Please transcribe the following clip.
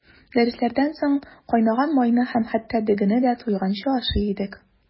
Дәресләрдән соң кайнаган майны һәм хәтта дөгене дә туйганчы ашый идек.